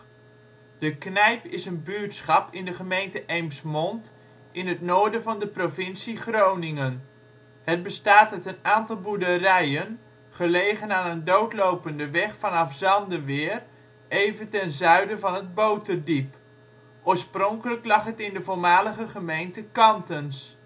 Knijp is een buurtschap in de gemeente Eemsmond in het noorden van de provincie Groningen. Het bestaat uit een aantal boerderijen gelegen aan een doodlopende weg vanaf Zandeweer even ten zuiden van het Boterdiep. Oorspronkelijk lag het in de voormalige gemeente Kantens